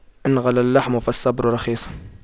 إن غلا اللحم فالصبر رخيص